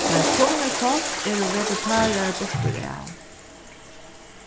men summi fólk eru vegetarar burturav